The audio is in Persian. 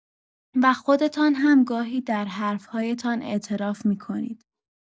و خودتان هم گاهی در حرف‌هایتان اعتراف می‌کنید!